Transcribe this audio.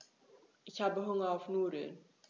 Ich habe Hunger auf Nudeln.